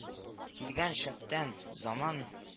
Килгән шәптән, заман